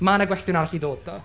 Ma' 'na gwestiwn arall i ddod ddo.